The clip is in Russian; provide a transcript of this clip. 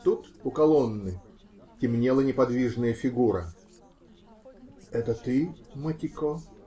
Тут, у колонны, темнела неподвижная фигура. -- Это ты, Матико?